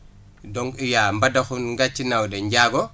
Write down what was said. donc il y' a Mbadakhoune Ndathie Naoude Ndiago